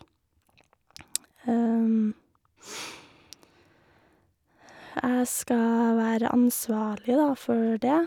Jeg skal være ansvarlig, da, for det.